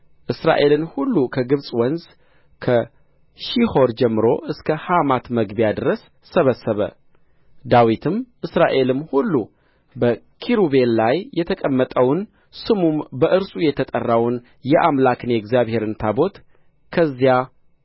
እስራኤልን ሁሉ ከግብጽ ወንዝ ከሺሖር ጀምሮ እስከ ሐማት መግቢያ ድረስ ሰበሰበ ዳዊትም እስራኤልም ሁሉ በኪሩቤል ላይ የተቀመጠውን ስሙም በእርሱ የተጠራውን የአምላክን የእግዚአብሔርን ታቦት ከዚያ